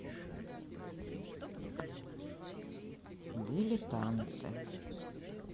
были танцы